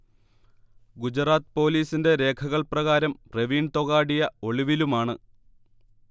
ഗുജറാത്ത് പോലീസിന്റെ രേഖകൾപ്രകാരം പ്രവീൺ തൊഗാഡിയ ഒളിവിലുമാണ്